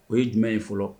O ye jumɛn in fɔlɔ